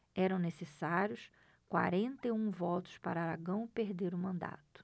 eram necessários quarenta e um votos para aragão perder o mandato